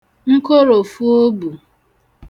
nkoròfuobù